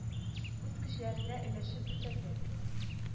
Үз кешеләренә өләшеп бетерде.